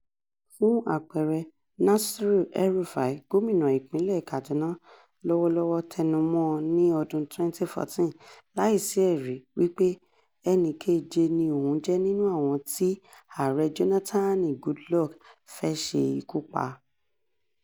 Fún àpẹẹrẹ, Nassir El-Rufai, gómìnà ìpínlẹ̀ẹ Kaduna lọ́wọ́lọ́wọ́ tẹnu mọ́ ọn ní ọdún-un 2014 — láìsí ẹ̀rí — wípé “ẹni kéje ni òun jẹ́ nínú àwọn tí [Ààrẹ Jónátàànì Goodluck] fẹ́ ṣe ikú pa ”.